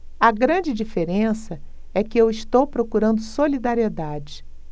a grande diferença é que eu estou procurando solidariedade